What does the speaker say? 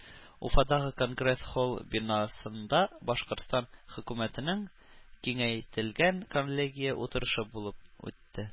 Уфадагы Конгресс-холл бинасында Башкортстан хөкүмәтенең киңәйтелгән коллегия утырышы булып үтте